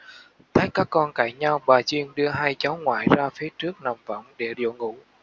thấy các con cãi nhau bà duyên đưa hai cháu ngoại ra phía trước nằm võng để dỗ ngủ